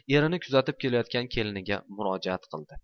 erini kuzatib kelgan keliniga murojaat kildi